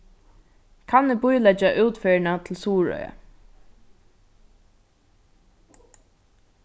kann eg bíleggja útferðina til suðuroyar